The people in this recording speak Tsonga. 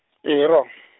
e hi ro .